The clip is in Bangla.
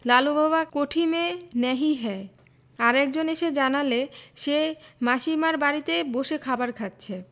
লালুবাবু কোঠি মে নহি হ্যায় আর একজন এসে জানালে সে মাসীমার বাড়িতে বসে খাবার খাচ্ছে